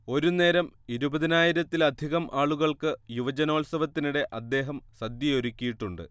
ഒരുനേരം ഇരുപതിനായിരത്തിലധികം ആളുകൾക്ക് യുവജനോത്സവത്തിനിടെ അദ്ദേഹം സദ്യയൊരുക്കിയിട്ടുണ്ട്